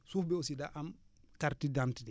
suuf bi aussi daa am carte d' identité